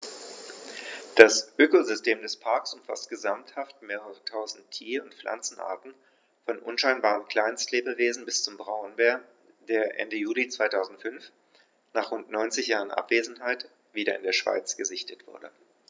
Das Ökosystem des Parks umfasst gesamthaft mehrere tausend Tier- und Pflanzenarten, von unscheinbaren Kleinstlebewesen bis zum Braunbär, der Ende Juli 2005, nach rund 90 Jahren Abwesenheit, wieder in der Schweiz gesichtet wurde.